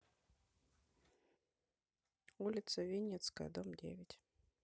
улица винницкая дом девять